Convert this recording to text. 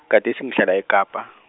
gadesi ngihlala eKapa.